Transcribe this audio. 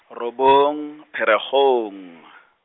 robong, Pherekgong.